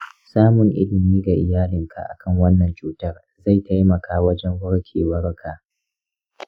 samun ilimi ga iyalinka akan wannan cutar zai taimaka wajen warkewarka.